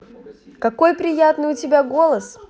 какой приятный у тебя голос